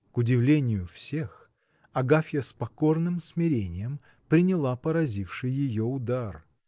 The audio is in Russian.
К удивлению всех, Агафья с покорным смирением приняла поразивший ее удар.